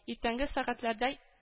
Иртәнге сәгатьләрдә